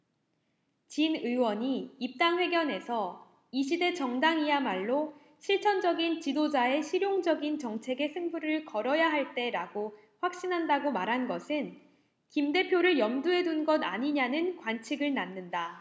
진 의원이 입당 회견에서 이 시대 정당이야말로 실천적인 지도자의 실용적인 정책에 승부를 걸어야 할 때라고 확신한다고 말한 것은 김 대표를 염두에 둔 것 아니냐는 관측을 낳는다